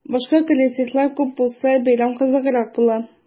Башка коллективлар күп булса, бәйрәм кызыграк була.